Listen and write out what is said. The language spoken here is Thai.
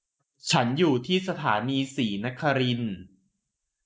ฉันอยู่ที่สถานีศรีนครินทร์